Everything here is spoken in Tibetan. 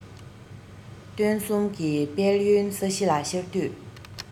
སྟོན གསུམ གྱི དཔལ ཡོན ས གཞི ལ ཤར དུས